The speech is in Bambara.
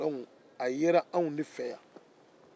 a yera anw de fɛ yan